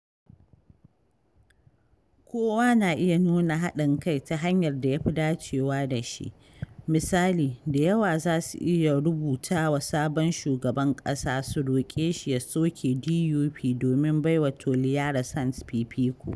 Kowa na iya nuna haɗin kai ta hanyar da ya fi dacewa da shi — misali, da yawa za su iya rubuta wa sabon shugaban ƙasa su roƙe shi ya soke DUP domin baiwa Toliara Sands fifiko.